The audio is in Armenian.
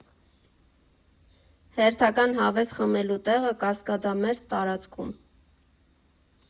Հերթական հավես խմելու տեղը Կասկադամերձ տարածքում։